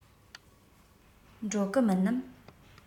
འགྲོ གི མིན ནམ